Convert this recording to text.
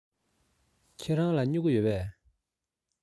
ཁྱེད རང ལ སྨྱུ གུ ཡོད པས